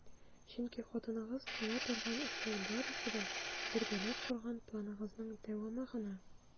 Чөнки хатыныгыз кыла торган эшләр барысы да - бергәләп корган планыгызның дәвамы гына!